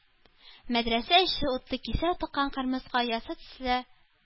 Мәдрәсә эче, утлы кисәү тыккан кырмыска оясы төсле,